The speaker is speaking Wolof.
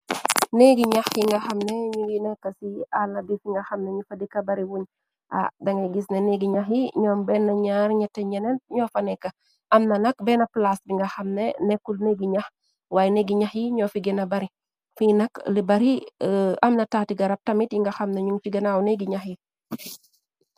Neegi ñax yi nga xam ne ñu yi nekka ci y àlla bi fi nga xam na ñu fa dika bari wuñ a dangay gis ne neggi ñax yi ñoom benn ñaar ñete ñeneen ñoo fa nekka amna nak benn plaas bi nga xam ne nekkul neggi ñax waaye neggi ñax yi ñoo fi gina bari i b amna taati garab tamit yi nga xam na ñu ci ginaaw neegi ñax yi.